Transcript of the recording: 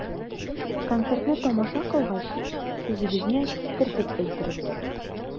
Концертны тамаша кылгач, сүзебезне кистереп әйтербез.